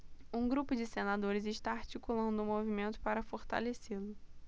um grupo de senadores está articulando um movimento para fortalecê-lo